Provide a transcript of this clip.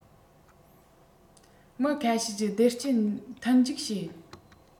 མི ཁ ཤས གྱི བདེ སྐྱིད མཐུན འཇུག བྱེད